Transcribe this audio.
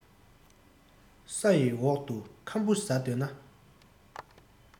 ས ཡི འོག ཏུ ཁམ བུ ཟ འདོད ན